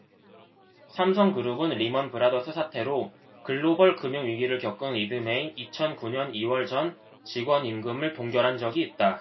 삼성그룹은 리먼브라더스 사태로 글로벌 금융위기를 겪은 이듬해인 이천 구 년 이 월 전 직원 임금을 동결한 적이 있다